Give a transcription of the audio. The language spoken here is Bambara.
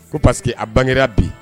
Ko parce que a bangera bi